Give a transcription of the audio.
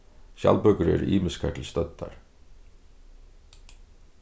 skjaldbøkur eru ymiskar til støddar